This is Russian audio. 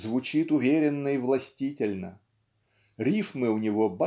звучит уверенно и властительно. Рифмы у него